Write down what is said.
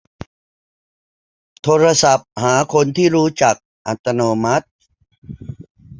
โทรศัพท์หาคนที่รู้จักอัตโนมัติ